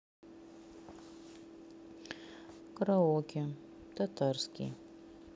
караоке татарский